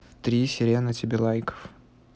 три серена тебе лайков